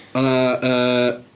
Oedd 'na yy...